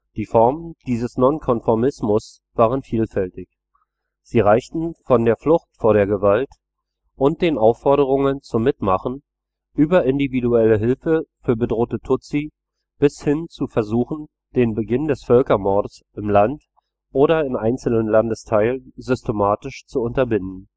Die Formen dieses Nonkonformismus waren vielfältig. Sie reichten von der Flucht vor der Gewalt und den Aufforderungen zum Mitmachen über individuelle Hilfe für bedrohte Tutsi bis hin zu Versuchen, den Beginn des Völkermords im Land oder in einzelnen Landesteilen systematisch zu unterbinden